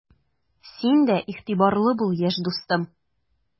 Син дә игътибарлы бул, яшь дустым!